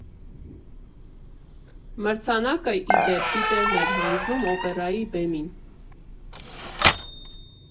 Մրցանակը, ի դեպ, Պիտերն էր հանձնում Օպերայի բեմին։